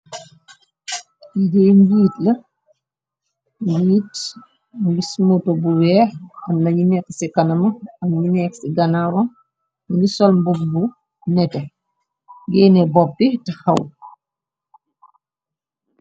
Yidee nbiit la ngiit ngismoto bu weex am nañu nekk ci kanama am ñu nekk ci ganaran ngi sol mbob bu nete genne boppi te xaw.